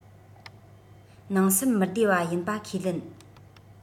ནང སེམས མི བདེ བ ཡིན པ ཁས ལེན